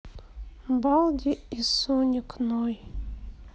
балди и соник ной